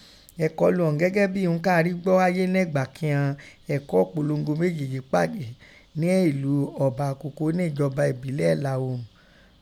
Ekọlu ọ̀ún gẹgẹ bi ihun ka ri gbọ haye nẹ́gba kíghọn ẹkọ ipolongo mejeeji pade nẹ́ elu ọba Akoko nẹ́ ijọba èbilẹ ẹ̀là Oòrùn.